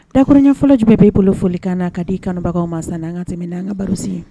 Dakuruyan fɔlɔ jumɛn b’e bolo foli kan na, ka di i kanubagaw ma san n' an ka tɛmɛna n’ an ka barosen ye?